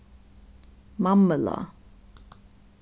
mammulág